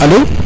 alo